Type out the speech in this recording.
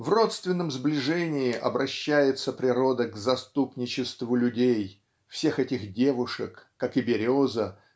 в родственном сближении обращается природа к заступничеству людей всех этих девушек как и береза